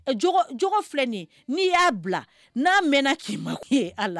J filɛ n'i y'a bila n'a mɛn kima ye a la